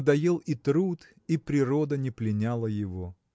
надоел и труд, и природа не пленяла его.